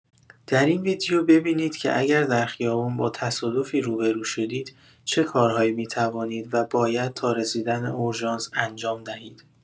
در این ویدیو ببینید که اگر در خیابان با تصادفی روبرو شدید چه کارهایی می‌توانید و باید تا رسیدن اورژانس انجام دهید.